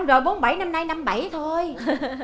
rồi bốn bảy năm nay năm bảy thôi